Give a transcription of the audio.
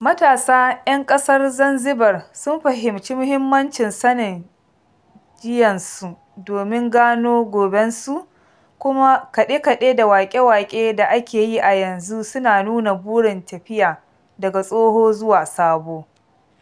Matasa 'yan ƙasar Zanzibar sun fahimci muhimmancin sanin jiyansu domin gano gobensu kuma kaɗe-kaɗe da waƙe-waƙe da ake yi a yanzu suna nuna burin tafiya daga tsoho zuwa sabo.